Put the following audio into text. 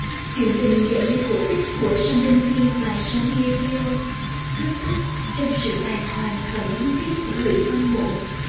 chuyện tình đẹp như cổ tích của song joong ki và song hye kyo kết thúc trong sự bàng hoàng và nuối tiếc của người hâm mộ